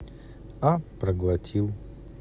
а проглотил